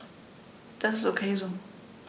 Das ist ok so.